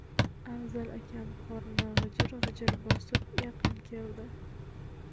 afzal akam qorni g'ijir g'ijir bosib yaqin keldi